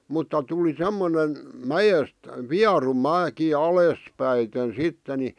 mutta tuli semmoinen mäestä vieru mäki alaspäiten sitten niin